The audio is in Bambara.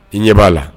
I ɲɛ b'a la